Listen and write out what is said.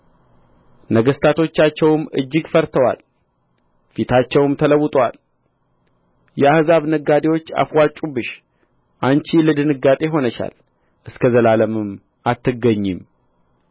ነገሥታቶቻቸውም እጅግ ፈርተዋል ፊታቸውም ተለውጦአል የአሕዛብ ነጋዴዎች አፍዋጩብሽ አንቺ ለድንጋጤ ሆነሻል እስከ ዘላለምም አትገኚም